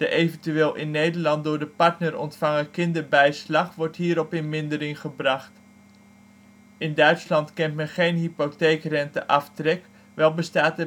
eventueel in Nederland (door de partner) ontvangen kinderbijslag wordt hierop in mindering gebracht. In Duitsland kent men geen hypotheekrenteaftrek, wel bestaat